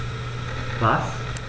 Was?